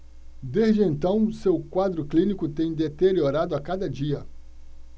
desde então seu quadro clínico tem deteriorado a cada dia